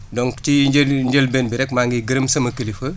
donc ci njël njëlbéen bi rek maa ngi gërëm sama kilifa